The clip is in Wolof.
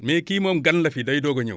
mais kii moom gan la fi day doog a ñëw